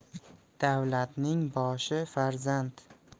davlatning boshi farzand